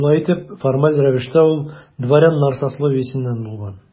Шулай итеп, формаль рәвештә ул дворяннар сословиесеннән булган.